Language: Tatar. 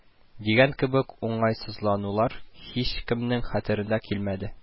" дигән кебек уңайсызланулар һичкемнең хәтеренә килмәде